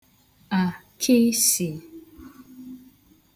àkịsị̀